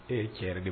E ye cɛ yɛrɛ de